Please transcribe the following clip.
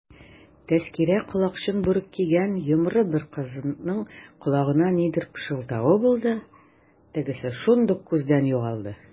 Тәзкирә колакчын бүрек кигән йомры бер кызның колагына нидер пышылдавы булды, тегесе шундук күздән югалды.